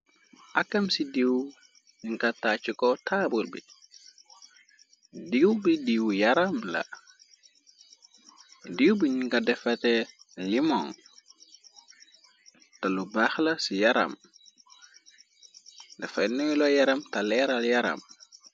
Akam ci diiw ñu nga tàcc ko taabul bi diiw bi ñu nga defate limon te lu baaxla ci yaram dafay noylo yaram te leeral yaram.